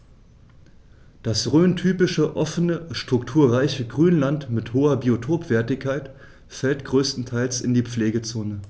Das rhöntypische offene, strukturreiche Grünland mit hoher Biotopwertigkeit fällt größtenteils in die Pflegezone.